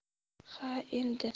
ha endi